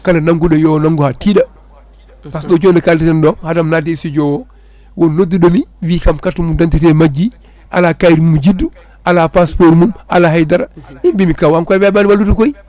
kala nagguɗo yo naggu han tiiɗa par ce que ɗo joni to kaldeten ɗo hadam nande e studio o won nodduɗomi wikam carte mum dentité majji ala kayit mum juddu ala passport mum ala haydara i mbimi kaw an koy a weeɓani wallude koy